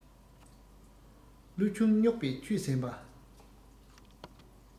ཆུ ཀླུང རྙོག པས ཆུད གཟན པ